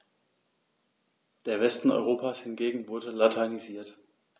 Der Westen Europas hingegen wurde latinisiert.